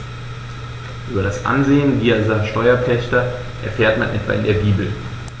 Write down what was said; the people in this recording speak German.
Über das Ansehen dieser Steuerpächter erfährt man etwa in der Bibel.